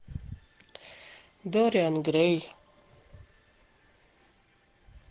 дориан грей